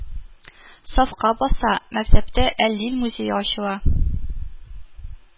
Сафка баса, мәктәптә әлил музее ачыла